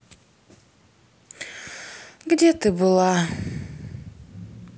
где ты была